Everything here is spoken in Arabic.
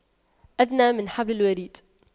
أدنى من حبل الوريد